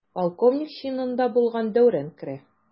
Полковник чинында булган Дәүран керә.